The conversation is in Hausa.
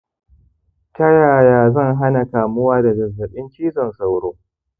ta yaya zan hana kamuwa da zazzaɓin cizon sauro?